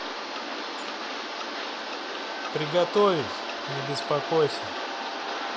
приготовить не беспокойся